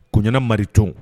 Koɲana mariteau